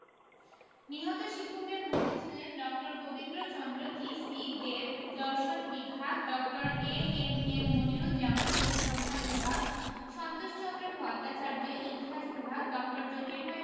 নিহত শিক্ষকদের মধ্যে ছিলেন ড. গোবিন্দচন্দ্র জি.সি দেব দর্শন বিভাগ ড. এ.এন.এম মনিরুজ্জামান পরিসংখান বিভাগ সন্তোষচন্দ্র ভট্টাচার্য ইতিহাস বিভাগ ড. জ্যোতির্ময়